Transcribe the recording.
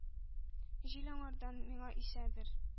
Җил аңардан миңа исәдер?